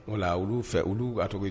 Wala olu fɛ olu tɔgɔ yen